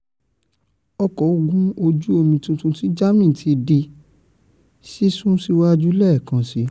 Ọkọ̀ ogun ojú omi tuntun ti Germany ti di sísún síwájú lẹ́ẹ̀kan síi